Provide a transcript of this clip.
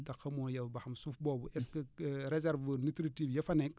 te xamoo yow ba xam suuf boobu est ce que réserve nutritive ya fa nekk